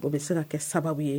O bɛ se ka kɛ sababu ye